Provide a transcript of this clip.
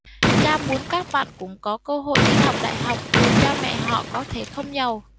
cha muốn các bạn cũng có cơ hội đi học đại học dù cha mẹ họ có thể không giàu